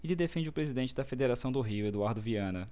ele defende o presidente da federação do rio eduardo viana